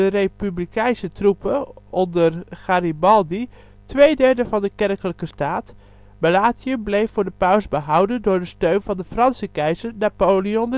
republikeinse troepen onder Garibaldi twee derde van de Kerkelijke Staat, maar Latium bleef voor de paus behouden door steun van de Franse keizer Napoleon